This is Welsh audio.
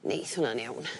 neith hwnna'n iawn.